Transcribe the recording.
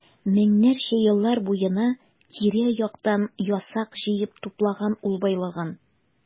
Меңнәрчә еллар буена тирә-яктан ясак җыеп туплаган ул байлыгын.